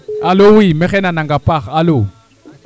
alo wi maxey nanang a paax